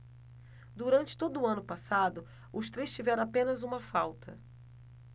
durante todo o ano passado os três tiveram apenas uma falta